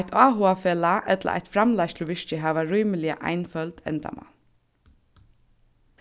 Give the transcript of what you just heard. eitt áhugafelag ella eitt framleiðsluvirki hava rímiliga einføld endamál